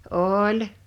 oli